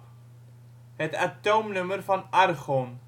atoomnummer van argon